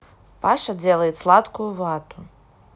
паша делает сладкую вату